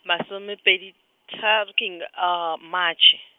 masome pedi tharo keng, Matšhe.